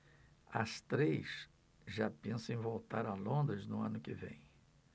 as três já pensam em voltar a londres no ano que vem